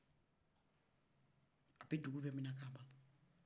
a bɛ dugu bɛ minɛ